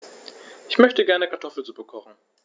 Ich möchte gerne Kartoffelsuppe kochen.